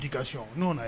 N ka sɔn n'o nana